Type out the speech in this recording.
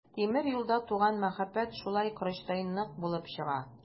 Тимер юлда туган мәхәббәт шулай корычтай нык булып чыга.